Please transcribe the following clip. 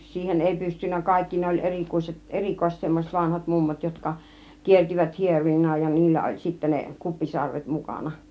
siihen ei pystynyt kaikki ne oli - erikoiset semmoiset vanhat mummot jotka kiersivät hierojina ja niillä oli sitten ne kuppisarvet mukana